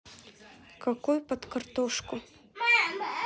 какой под картошку